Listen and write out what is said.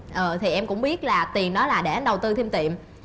ờ thì em cũng biết là tiền đó là để anh đầu tư thêm tiệm